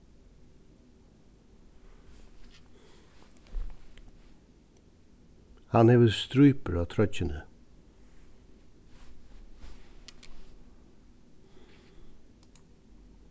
hann hevur strípur á troyggjuni